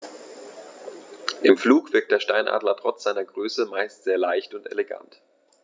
Im Flug wirkt der Steinadler trotz seiner Größe meist sehr leicht und elegant.